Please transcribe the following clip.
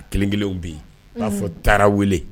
A kelen kelenw bɛ yen, unhun, i b'a fɔ Tarawele